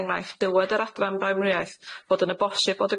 enghraifft dywad yr adran brenhriaeth fod yn y bosib bod